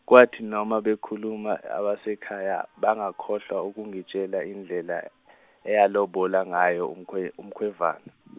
kwathi noma bekhuluma abasekhaya bangakhohlwa ukungitshela indlela ayelobola ngayo umkhwe- umkhwenvana.